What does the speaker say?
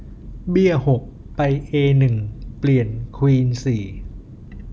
เบี้ยหกไปเอหนึ่งเปลี่ยนควีนสี่